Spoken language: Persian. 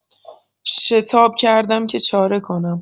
شتاب کردم که چاره کنم.